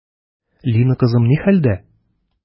Лина кызым ни хәлдә?